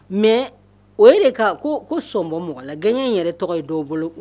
Mɛ o ye de ka ko ko sɔnbon mɔgɔla gɛnɲɛ yɛrɛ tɔgɔ ye dɔw bolo